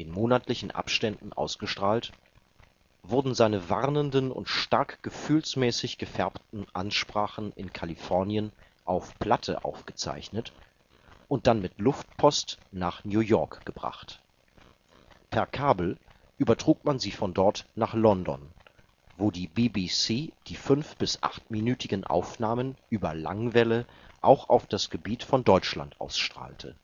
monatlichen Abständen ausgestrahlt, wurden seine warnenden und stark gefühlsmäßig gefärbten Ansprachen in Kalifornien auf Platte aufgezeichnet und dann mit Luftpost nach New York gebracht. Per Kabel übertrug man sie von dort nach London, wo die BBC die fünf - bis achtminütigen Aufnahmen über Langwelle auch auf das Gebiet von Deutschland ausstrahlte